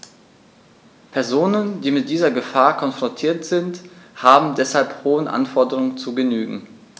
Personen, die mit dieser Gefahr konfrontiert sind, haben deshalb hohen Anforderungen zu genügen.